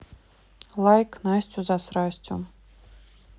лайк настю засрастю